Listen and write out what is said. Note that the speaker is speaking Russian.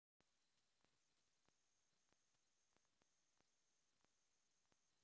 машу и бьянку пожалуйста